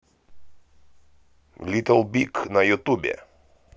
литл бик на ютюбе